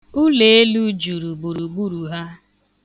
Ụleelu juru gburugburu ha.